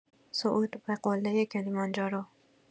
صعود به قله کلیمانجارو